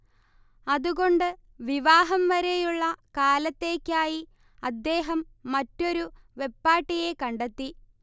അതുകൊണ്ട് വിവാഹം വരെയുള്ള കാലത്തേയ്ക്കായി അദ്ദേഹം മറ്റൊരു വെപ്പാട്ടിയെ കണ്ടെത്തി